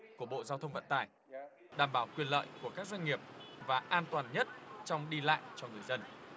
của bộ giao thông vận tải đảm bảo quyền lợi của các doanh nghiệp và an toàn nhất trong đi lại cho người dân